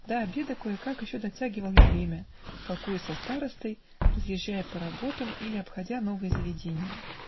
До обеда кое-как еще дотягивал я время, толкуя со старостой, разъезжая по работам или обходя новые заведения